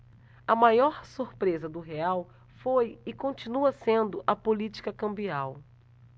a maior surpresa do real foi e continua sendo a política cambial